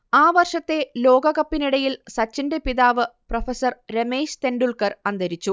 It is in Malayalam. ആ വർഷത്തെ ലോകകപ്പിനിടയിൽ സച്ചിന്റെ പിതാവ് പ്രൊഫസർ രമേശ് തെൻഡുൽക്കർ അന്തരിച്ചു